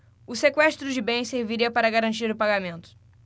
o sequestro de bens serviria para garantir o pagamento